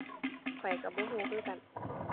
ข้อยก็บ่ก็คือกัน